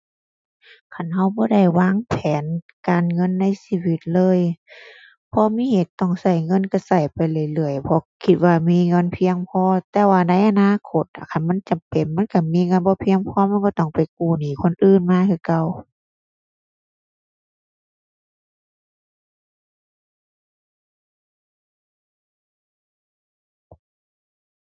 คันเราบ่ได้วางแผนการเงินในชีวิตเลย พอมีเหตุต้องเราเงินเราเราไปเรื่อยเรื่อย เพราะคิดว่ามีเงินเพียงพอ แต่ว่าในอนาคตอะ คันมันจำเป็นมันเรามีเงินบ่เพียงพอ มันก็ต้องไปกู้หนี้คนอื่นมาคือเก่า